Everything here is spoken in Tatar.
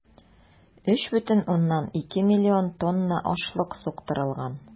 3,2 млн тонна ашлык суктырылган.